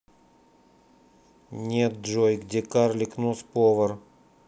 нет джой где карлик нос повар